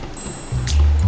hi